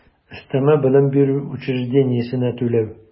Өстәмә белем бирү учреждениесенә түләү